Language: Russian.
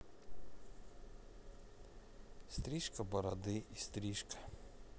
стрижка бороды и стрижка